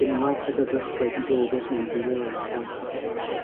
Unwaith y byddwch wedi dod o hyd i leoliad addas